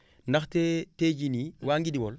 ndaxte tey jii nii waa Ngidiwal